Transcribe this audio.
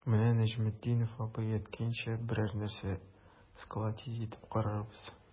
Менә Нәҗметдинов абый әйткәнчә, берәр нәрсә сколотить итеп карарбыз.